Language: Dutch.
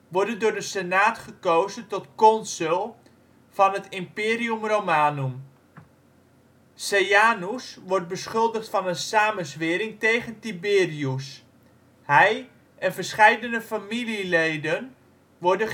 worden door de Senaat gekozen tot consul van het Imperium Romanum. Seianus wordt beschuldigd van een samenzwering tegen Tiberius. Hij en verscheidene familieleden worden